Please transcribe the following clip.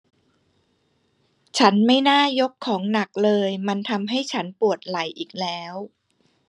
ฉันไม่น่ายกของหนักเลยมันทำให้ฉันปวดไหล่อีกแล้ว